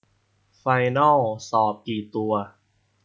ไฟนอลสอบกี่ตัว